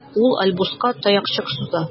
Ул Альбуска таякчык суза.